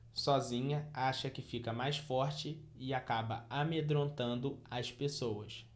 sozinha acha que fica mais forte e acaba amedrontando as pessoas